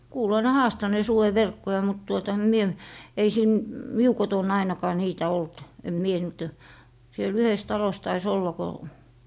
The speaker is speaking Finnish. kuului ne haastaneen sudenverkkoja mutta tuota en minä ei siinä minun kotona ainakaan niitä ollut en minä niitä ole siellä yhdessä talossa taisi olla kun